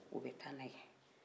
u bɛ tana ye